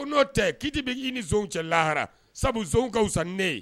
Ko n'o tɛ kiti bɛ i ni nsonw cɛ lahara, sabula nsonw ka fusa n'e ye.